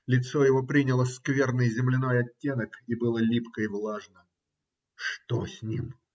лицо его приняло скверный земляной оттенок и было липко и влажно. - Что с ним?